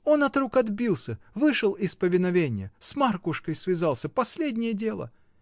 Он от рук отбился, вышел из повиновения: с Маркушкой связался — последнее дело!